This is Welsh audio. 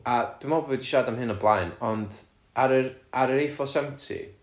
a dwi'n meddwl bo' fi 'di siarad am hyn o blaen, ond ar yr... ar yr Afourseventy.